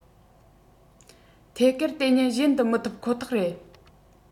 ཐད ཀར དེ ཉིད གཞན དུ མི ཐུབ ཁོ ཐག རེད